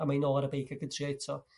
A ma' 'i nôl ar y beic ag yn trio eto.